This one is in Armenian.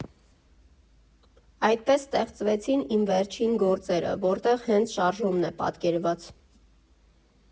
Այդպես ստեղծվեցին իմ վերջին գործերը, որտեղ հենց շարժումն է պատկերված։